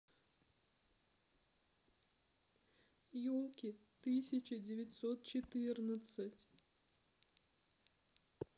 елки тысяча девятьсот четырнадцать